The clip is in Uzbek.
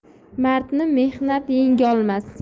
mardni mehnat yengolmas